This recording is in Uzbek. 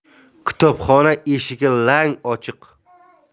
kitobxona eshigi lang ochiq